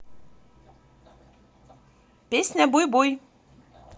песня буй буй